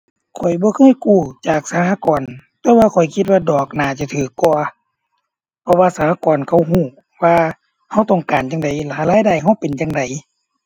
ข้อยบ่เคยกู้จากสหกรณ์ แต่ว่าข้อยคิดว่าดอกน่าจะถูกกว่า เพราะว่าสหกรณ์เขาถูกว่าถูกต้องการจั่งใด หั้นรายได้ถูกเป็นจั่งใด